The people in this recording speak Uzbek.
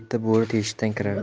yetti bo'ri teshikdan kirar